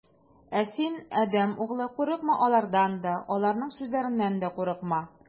Ә син, адәм углы, курыкма алардан да, аларның сүзләреннән дә курыкма.